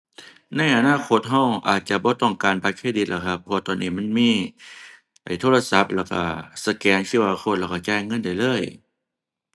ในอนาคตเราอาจจะบ่ต้องการบัตรเครดิตละครับ เพราะว่าตอนนี้มันมี ไอ้โทรศัพท์ แล้วเราสแกน QR code แล้วเราจ่ายเงินได้เลย